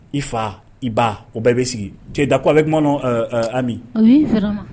I fa i ba o bɛɛ bɛ sigi cɛ da ko a bɛ kuma anmi